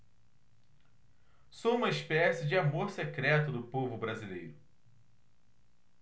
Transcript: sou uma espécie de amor secreto do povo brasileiro